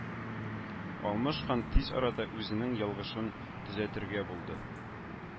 Алмыш хан тиз арада үзенең ялгышын төзәтергә булды